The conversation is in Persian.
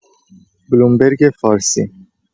بلومبرگ فارسی